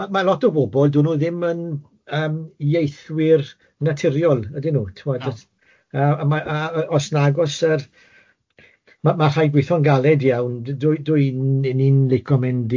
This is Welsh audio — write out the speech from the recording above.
A mae lot o bobl, dydyn nhw ddim yn ieithwyr naturiol ydyn nhw, tibod a os nag os yr ma ma rhaid gweithio'n galed iawn dwi dwi'n ni'n licio mynd i